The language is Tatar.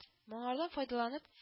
Моңардан файдаланып